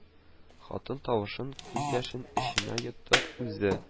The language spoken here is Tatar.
Хатын тавышын, күз яшен эченә йотты, үзе: